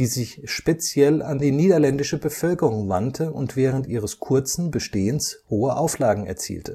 die sich speziell an die niederländische Bevölkerung wandte und während ihres kurzen Bestehens hohe Auflagen erzielte